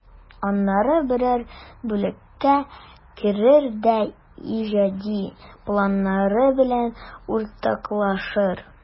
Аннары берәр бүлеккә керер дә иҗади планнары белән уртаклашыр.